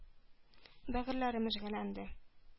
Бәгырьләрем өзгәләнде,